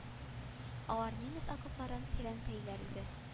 Алар немец окопларын тирәнтәйләр иде